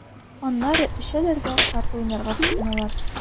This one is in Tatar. Аннары эчәләр дә карта уйнарга тотыналар.